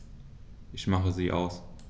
Ich mache sie aus.